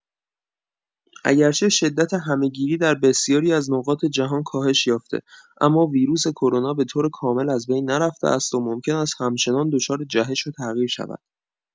اگرچه شدت همه‌گیری در بسیاری از نقاط جهان کاهش یافته، اما ویروس کرونا به‌طور کامل از بین نرفته است و ممکن است همچنان دچار جهش و تغییر شود.